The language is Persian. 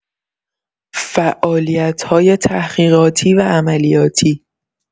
فعالیت‌های تحقیقاتی و عملیاتی